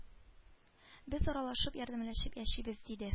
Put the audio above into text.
Без аралашып ярдәмләшеп яшибез диде